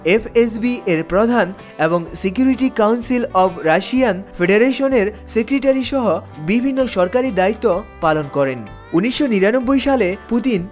F S B এর প্রধান এবং সিকিউরিটি কাউন্সিল এবং সিকিউরিটি কাউন্সিল অফ রাশিয়ান ফেডারেশনের সেক্রেটারিসহ বিভিন্ন সরকারি দায়িত্ব পালন করেন ১৯৯৯ সালে পুতিন